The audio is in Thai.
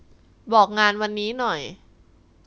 บอกงานวันนี้หน่อย